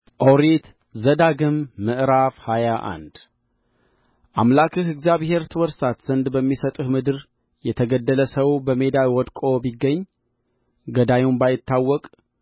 ኦሪት ዘዳግም ምዕራፍ ሃያ አንድ አምላክህ እግዚአብሔር ትወርሳት ዘንድ በሚሰጥህ ምድር የተገደለ ሰው በሜዳ ወድቆ ቢገኝ ገዳዩም ባይታወቅ